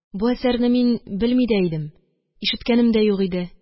Бу әсәрне мин белми дә идем. Ишеткәнем дә юк иде.